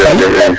jerejef